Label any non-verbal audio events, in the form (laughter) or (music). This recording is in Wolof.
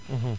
(hesitation) (hesitation)